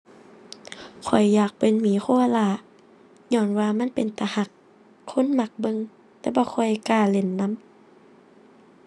ข้อยอยากเป็นหมีโคอาลา ญ้อนว่ามันเป็นตารัก คนมักเบิ่ง แต่บ่ค่อยกล้าเล่นนำ